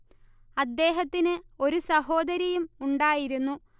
അദ്ദേഹത്തിന് ഒരു സഹോദരിയും ഉണ്ടായിരുന്നു